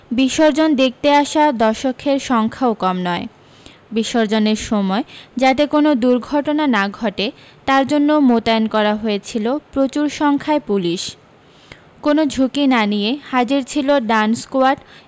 বিসর্জন দেখতে আসা দর্শকের সংখ্যাও কম নয় বিসর্জনের সময় যাতে কোনও দুর্ঘটনা না ঘটে তার জন্য মোতায়েন করা হয়েছিলো প্রচুর সংখ্যায় পুলিশ কোনও ঝুঁকি না নিয়ে হাজির ছিল ডান স্কোয়াড